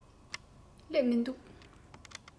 སླེབས མི འདུག